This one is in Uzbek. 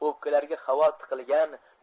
o'pkalariga havo tiqilgan